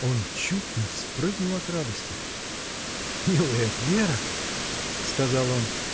Он чуть не вспрыгнул от радости. — Милая Вера! — сказал он.